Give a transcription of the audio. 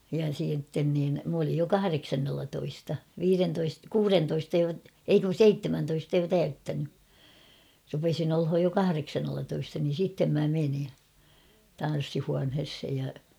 ja sitten niin minä olin jo kahdeksannellatoista viidentoista kuudentoista jo ei kun seitsemäntoista jo täyttänyt rupesin olemaan jo kahdeksannellatoista niin sitten minä menin tanssihuoneeseen ja